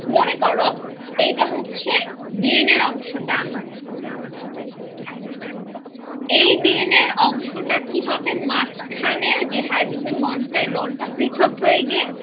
মনে কর এইটা হচ্ছে ডি এন এর অংশটা এই ডি এন এর অংশটা কি হবে মাঝখানের যে হাইড্রোজেন বন্ডটা এই বন্ডটা পৃথক হয়ে গিয়ে